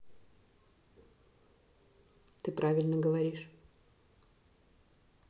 ты правильно говоришь